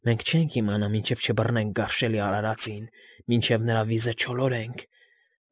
Մենք չենք կարող իմանալ, մինչև չբռնենք գարշ֊շ֊շելի արարածին, մինչև նրա վիզը չոլորենք։